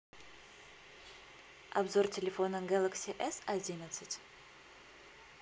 обзор телефона galaxy s одиннадцать